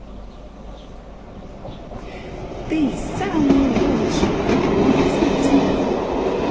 ты самый лучший подмаслить